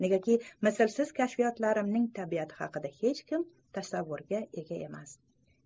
negaki mislsiz kashfiyotlarimning tabiati haqida hech kim tasavvurga ega emas